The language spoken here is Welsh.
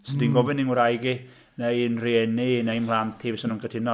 'Set ti'n gofyn i ngwraig i, neu i'n rhieni, neu mhlant i fysa nhw'n cytuno.